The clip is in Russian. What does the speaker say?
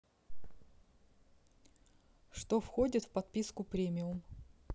что входит в подписку премиум